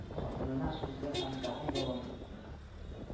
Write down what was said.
Хатынына сузды һәм тагын дәвам итте